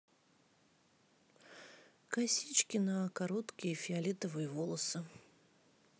косички на короткие фиолетовые волосы